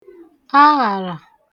aghàrà